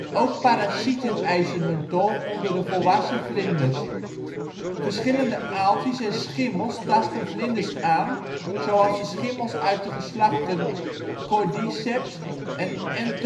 Ook parasieten eisen hun tol onder de volwassen vlinders; verschillende aaltjes en schimmels tasten vlinders aan, zoals de schimmels uit de geslachten Cordyceps en